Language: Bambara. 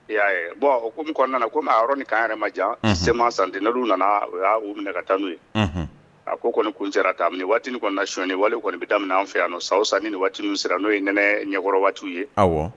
Ee y'a bɔn kɔnɔna nana ko yɔrɔ ni kan yɛrɛ ma jan sema sant nana o y'a minɛ ka taa n'u ye a ko kɔnikun sera tan waati kɔni na sy ye wali kɔni bɛmin an fɛ yan sa san ni waati sera n'o ye n ɲɛkɔrɔ waati tu ye